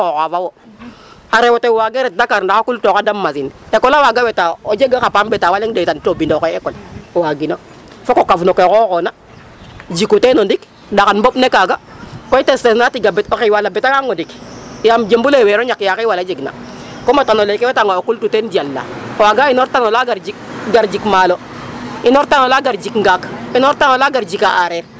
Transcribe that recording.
Fook o kaf no ke xooxoona jiku teen o ndik ɗaxan boɓ ne kaaga so testesna tig a betangang xeewal a betangang o ndik yaam jombul ee waagiro ñak ya xeewal a jegna kom tan oleeke wetanga o kultu teen jalaa to waaga inoox tan ola gar jik maalo, inoor tan ola gar jik ngaak, inoor tan ola gar jika aareer.